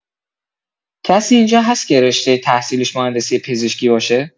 کسی اینجا هست که رشته تحصیلیش مهندسی پزشکی باشه؟